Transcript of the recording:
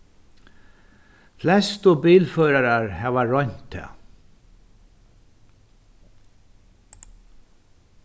flestu bilførarar hava roynt tað